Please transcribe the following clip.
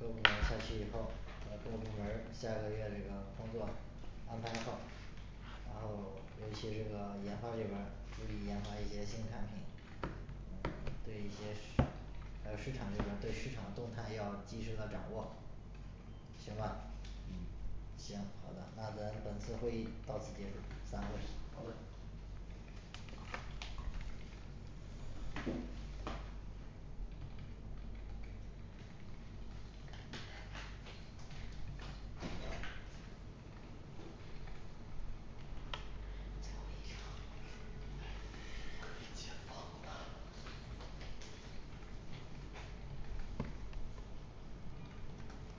各部门下去以后把各部门儿下个月嘞这个工作安排好然后尤其这个研发这边儿注意研发一些新产品，嗯对一些市还有市场这边儿对市场动态要及时的掌握行吧？行嗯好的，那咱本次会议到此结束，散会好的